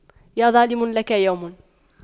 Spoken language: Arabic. يا ظالم لك يوم